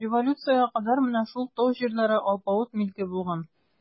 Революциягә кадәр менә шул тау җирләре алпавыт милке булган.